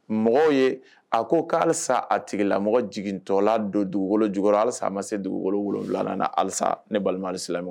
Mɔgɔw ye a ko ko halisa a tigila mɔgɔ jigintɔla don dugu wolo ju halisa a ma se dugukolo wolonwula na alisa ne balima silamɛ